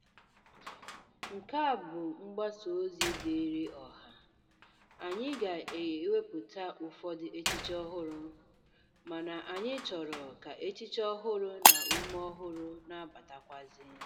Nke a bụ mgbasa ozi dịịrị ọha – anyị ga-ewepụta ụfọdụ echiche ọhụrụ, mana anyị chọrọ ka echiche ọhụrụ na ume ọhụrụ na-abatakwazị.